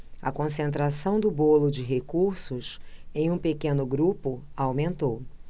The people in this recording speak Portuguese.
a concentração do bolo de recursos em um pequeno grupo aumentou